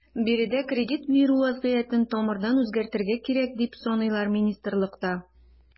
Биредә кредит бирү вәзгыятен тамырдан үзгәртергә кирәк, дип саныйлар министрлыкта.